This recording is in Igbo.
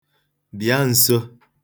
Bịa nso.